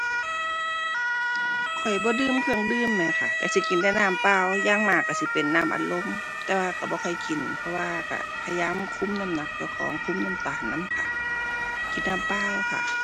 ข้อยบ่ดื่มเครื่องดื่มแหมค่ะ ก็สิกินแต่น้ำเปล่า อย่างมากก็สิเป็นน้ำอัดลม แต่ว่าก็บ่ค่อยกิน เพราะว่าก็พยายามคุมน้ำหนักเจ้าของ คุมน้ำตาลนำค่ะ กินแต่น้ำเปล่าค่ะ